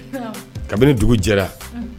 Kabini dugu jɛra